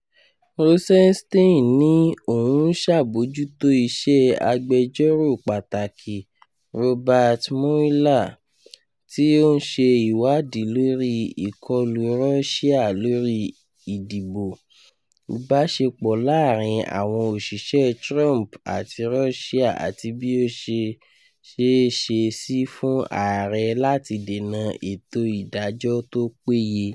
Rosensteinní ó ń ṣàbójútó iṣẹ́ àgbẹjọ́rò pàtàkì Robert Mueller, tí ó ń ṣe ìwádìí lórí i ìkọlù Rọ́ṣíà lórí ìdìbò, ìbáṣepọ̀ láàrin àwọn òṣiṣẹ́ Trump àti Rọ́ṣíà àti bí ó ṣe ṣẹéṣe sí fún ààrẹ láti dènà ètò ìdájọ tó péye.